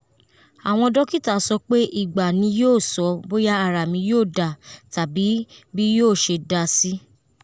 Awọn Dọkita sọ pe igba ni yoo sọ boya ara mi yoo da tabi bi yooṣe da si.